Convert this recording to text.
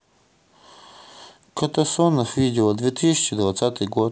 катасонов видео две тысячи двадцатый год